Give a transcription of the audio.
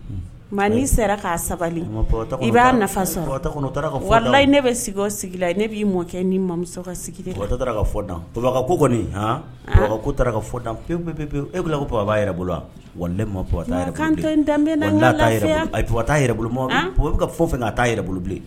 Maa n'i sera k'a sabali i b'a nafala ne bɛ sigi sigi la ne b'i mɔkɛ ni mamuso ka ka ka fɔ ko baba yɛrɛ bolo wama kan danbe a yɛrɛ bolo o bɛ ka fɔ fɛ ka taa yɛrɛ bolo bilen